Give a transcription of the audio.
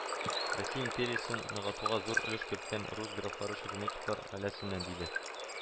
— россия империясен ныгытуга зур өлеш керткән рус графлары шереметевлар гаиләсеннән, — диде